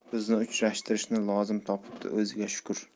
bizni uchrashtirishni lozim topibdi o'ziga shukr